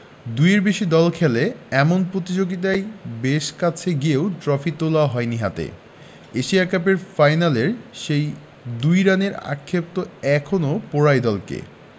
দুইয়ের বেশি দল খেলে এমন প্রতিযোগিতায় বেশ কাছে গিয়েও ট্রফি তোলা হয়নি হাতে এশিয়া কাপের ফাইনালের সেই ২ রানের আক্ষেপ তো এখনো পোড়ায় দলকে